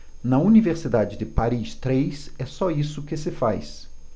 na universidade de paris três é só isso que se faz